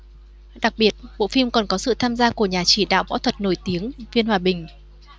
đặc biệt bộ phim còn có sự tham gia của nhà chỉ đạo võ thuật nổi tiếng viên hòa bình